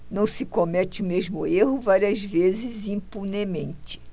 não se comete o mesmo erro várias vezes impunemente